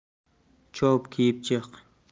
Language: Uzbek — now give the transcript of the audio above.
chop kiyib chiq